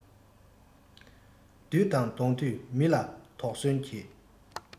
བདུད དང བསྡོངས དུས མི ལ དོགས ཟོན དགོས